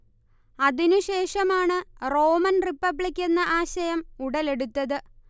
അതിനു ശേഷമാണ് Roman republic എന്ന ആശയം ഉടലെടുത്തത്